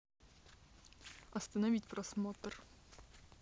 остановить просмотр